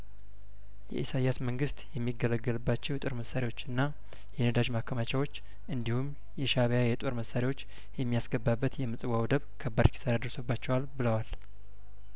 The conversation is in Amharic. የኢሳያስ መንግስት የሚገለገልባቸው የጦር መሳሪያዎችና የነዳጅ ማከማቻዎች እንዲሁም የሻእቢያ የጦር መሳሪያዎች የሚያስ ገባበት የምጽዋ ወደብ ከባድ ኪሳራ ደርሶባቸዋል ብለዋል